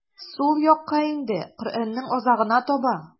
Сул якка инде, Коръәннең азагына таба.